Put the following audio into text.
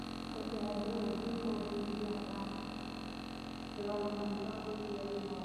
Waa labo bir oo madow ah oo ah baraha jiimka lagu qaado